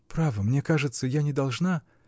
-- Право, мне кажется, я не должна.